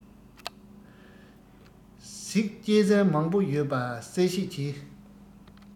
གཟིག གཅན གཟན མང པོ ཡོད པ གསལ བཤད བྱས